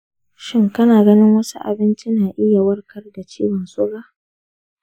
shin kana ganin wasu abinci na iya warkar da ciwon suga?